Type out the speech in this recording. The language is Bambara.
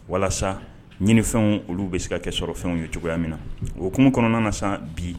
Walasa ɲini fɛnw olu bɛ se ka kɛ sɔrɔ fɛnw ye cogoya min na okumu kɔnɔna na san bi